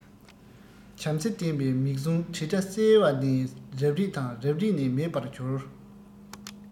བྱམས བརྩེ ལྡན པའི མིག ཟུང དྲིལ སྒྲ གསལ བ ནས རབ རིབ དང རབ རིབ ནས མེད པར གྱུར